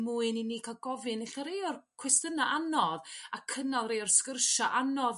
mwyn i ni ca'l gofyn ella rei o'r cwestiynau anodd a cynnal rei o'r sgyrsia' anodd